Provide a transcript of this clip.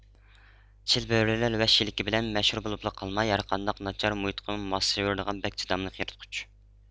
چىلبۆرىلەر ۋەھشىيلىكى بىلەن مەشھۇر بولۇپلا قالماي ھەرقانداق ناچار مۇھىتقىمۇ ماسلىشىۋېرىدىغان بەك چىداملىق يىرتقۇچ